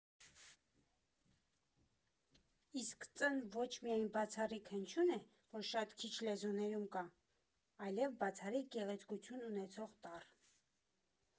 Իսկ Ծ֊ն ոչ միայն բացառիկ հնչյուն է, որ շատ քիչ լեզուներում կա, այլև բացառիկ գեղեցկություն ունեցող տառ։